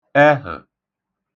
ẹhə̣̀